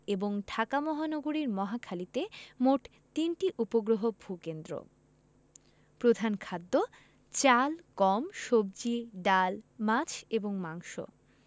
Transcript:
এবং ঢাকা মহানগরীর মহাখালীতে মোট তিনটি উপগ্রহ ভূ কেন্দ্র প্রধান খাদ্যঃ চাল গম সবজি ডাল মাছ এবং মাংস